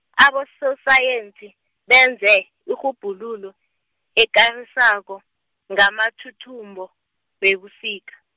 abososayensi benze, irhubhululo, ekarisako, ngamathuthumbo, webusika.